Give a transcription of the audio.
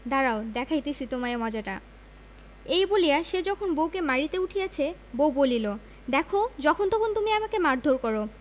দাঁড়াও দেখাইতেছি তোমায় মজাটা এই বলিয়া সে যখন বউকে মারিতে উঠিয়াছে বউ বলিল দেখ যখনতখন তুমি আমাকে মারধর কর